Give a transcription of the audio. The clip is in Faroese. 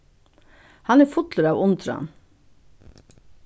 hann er fullur av undran